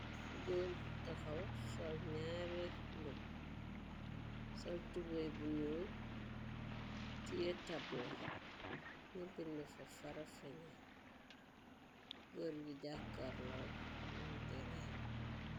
Góor bu taxaw sol ñaare mbubu, sol tuboy bu ñuul, tiye tabla ñu binde fa Farafeñe, góor bi jàkkarloo ñoon deree.